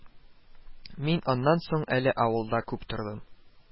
Мин аннан соң әле авылда күп тордым